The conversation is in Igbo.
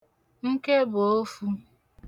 nkebùofū